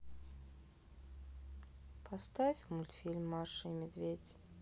поставь мультфильм маша и медведь